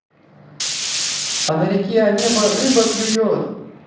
а на реке онега рыба клюет